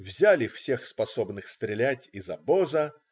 Взяли всех способных стрелять из обоза.